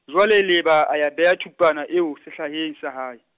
jwale leeba a ya bea thupana eo, sehlaheng sa hae.